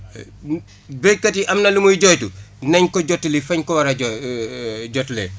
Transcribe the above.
béykat yi am na lu muy jooytu nañ ko jottali fañ ko war a jo jottalee